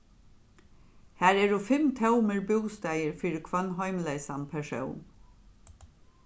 har eru fimm tómir bústaðir fyri hvønn heimleysan persón